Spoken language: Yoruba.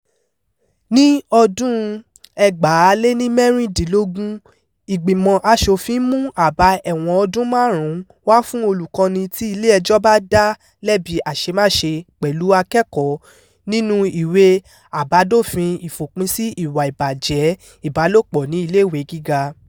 Ní ọdún-un 2016, Ìgbìmọ̀ Àṣòfin mú àbá ẹ̀wọ̀n ọdún márùn-ún wá fún olùkọ́ní tí ilé ẹjọ́ bá dá lẹ́bi àṣemáṣe pẹ̀lú akẹ́kọ̀ọ́ nínú "Ìwé àbádòfin Ìfòpin sí ìwà ìbàjẹ́ ìbálòpọ̀ ní Ilé Ìwé Gíga".